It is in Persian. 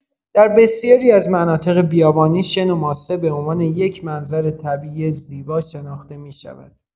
در بسیاری از مناطق بیابانی، شن و ماسه به عنوان یک منظر طبیعی زیبا شناخته می‌شود.